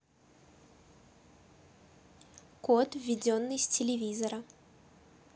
код введенный с телевизора